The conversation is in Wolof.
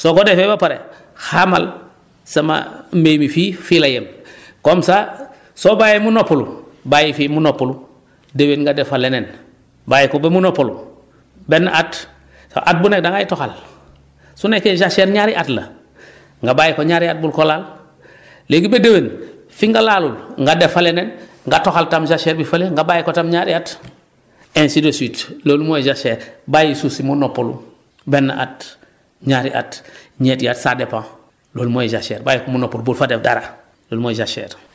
soo ko defee ba pare xamal sama mbéy mi fii fii la yem comme ça soo bàyyee mu noppalu bàyyi fi mu noppalu déwén nga def fa leneen bàyyi ko ba mu noppalu benn at at bu ne da ngay toxal su nekkee jachère ñaari at la nga bàyyi ko ñaari at bul ko laal léegi ba déwén fi nga laalul nga def fa leneen nga toxal tam jachère bi fële nga bàyyi ko tam ñaari at ainsi de suite loolu mooy jachère bàyyi suuf si mu noppalu benn at ñaari at ñetti at ça dépend loolu mooy jachère bàyyi ko mu noppalu bul fa def dara loolu mooy jachère